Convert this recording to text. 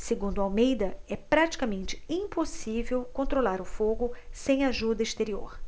segundo almeida é praticamente impossível controlar o fogo sem ajuda exterior